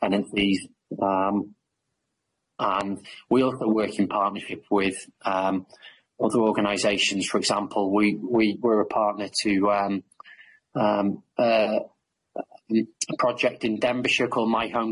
Benedictive um and we also work in partnership with um other organisations for example we we we're a partner to um um uh a project in Denbighshire called my home